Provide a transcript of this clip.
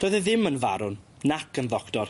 Doedd e ddim yn farwn, nac yn ddoctor.